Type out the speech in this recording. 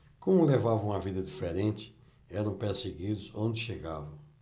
como levavam uma vida diferente eram perseguidos onde chegavam